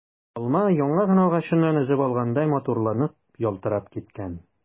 Алма яңа гына агачыннан өзеп алгандай матурланып, ялтырап киткән.